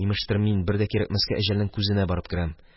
Имештер, мин бер дә кирәкмәскә әҗәлнең күзенә барып керәм.